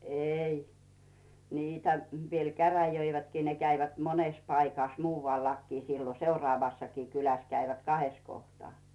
ei niitä vielä käräjöivätkin ne kävivät monessa paikassa muuallakin silloin seuraavassakin kylässä kävivät kahdessa kohtaa